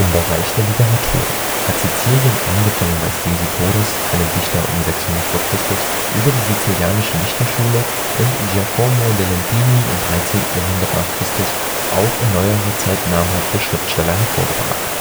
Bereich der Literatur hat Sizilien angefangen bei Stesichoros, einem Dichter um 600 v. Chr. über die Sizilianische Dichterschule und Giacomo da Lentini im 13. Jahrhundert n. Chr. auch in neuerer Zeit namhafte Schriftsteller hervorgebracht